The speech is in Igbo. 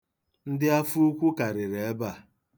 Ndị afọ nnukwu karịrị ebe a.